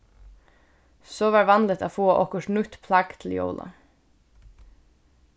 so var vanligt at fáa okkurt nýtt plagg til jóla